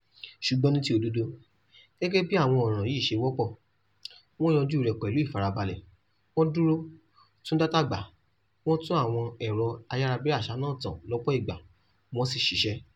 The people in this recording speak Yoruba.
Ṣùgbọ́n ní ti òdodo, gẹ́gẹ́ bí àwọn ọ̀ràn yìí ṣe wọ́pọ̀, wọ́n yanjú rẹ̀ pẹ̀lú ìfarabalẹ̀, wọ́n dúró, tún dátà gbà, wọ́n tún àwọn ẹ̀rọ ayárabíàsá náà tàn lọ́pọ̀ ìgbà, wọ́n sì ṣiṣẹ́.